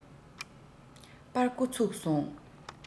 པར སྒོ ཚུགས སོང